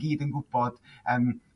gyd yn gwybod yym